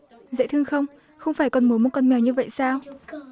dễ thương không không phải con muốn một con mèo như vậy sao